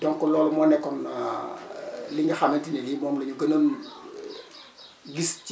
donc loolu moo nekkoon li nga xamante ne ni moom la ñu gën a gis